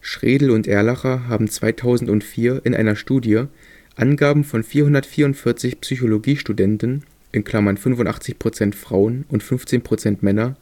Schredl und Erlacher haben 2004 in einer Studie Angaben von 444 Psychologiestudenten (85 % Frauen und 15 % Männer;